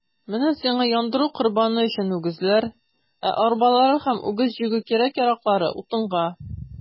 Менә сиңа яндыру корбаны өчен үгезләр, ә арбалары һәм үгез җигү кирәк-яраклары - утынга.